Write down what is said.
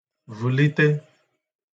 və̀lite